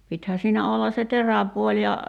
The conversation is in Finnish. pitihän siinä olla se teräpuoli ja